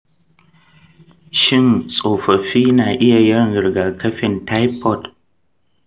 shin tsofaffi na iya yin rigakafin taifod?